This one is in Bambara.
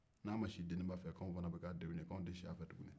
n'a ma si deniba fɛ k'anw fana bɛ k'a denw ye k'anw tɛ si a fɛ tuguni